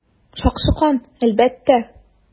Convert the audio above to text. Шакшы кан, әлбәттә.